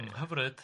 hyfryd.